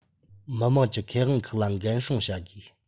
མི དམངས ཀྱི ཁེ དབང ཁག ལ འགན སྲུང བྱ དགོས